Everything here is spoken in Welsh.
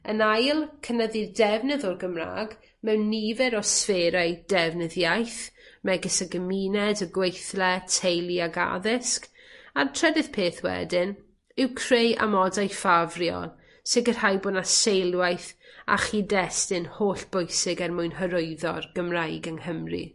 Yn ail, cynyddu'r defnydd o'r Gymra'g mewn nifer o sferau defnydd iaith megis y gymuned, y gweithle, teulu ag addysg a'r trydydd peth wedyn yw creu amodau ffafriol sicirhau bo' 'na seilwaith a chyd-destun hollbwysig er mwyn hyrwyddo'r Gymraeg yng Nghymru.